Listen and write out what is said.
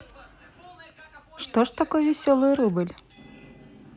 что ж такой веселый рубль